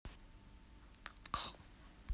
алиса скажи душа сколько осталось жить